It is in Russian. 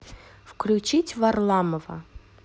включить варламова